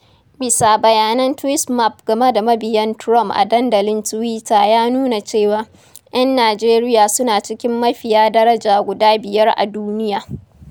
Bisa bayanan Tweepsmap game da mabiyan Trump a dandalin tiwita ya nuna cewa,'yan Najeriya suna cikin mafiya daraja guda biyar a duniya: